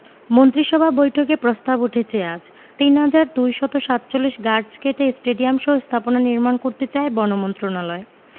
মন্ত্রিসভা বৈঠকে প্রস্তাব উঠেছে আজ ৩২৪৭ গাছ কেটে স্টেডিয়ামসহ স্থাপনা নির্মাণ চায় বন মন্ত্রণালয়